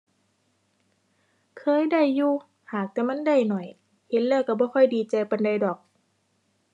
เคยได้อยู่ หากแต่มันได้น้อย เห็นแล้วก็บ่ค่อยดีใจปานใดดอก